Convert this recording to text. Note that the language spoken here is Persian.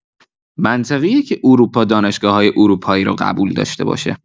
منطقیه که اروپا دانشگاه‌‌های اروپایی رو قبول داشته باشه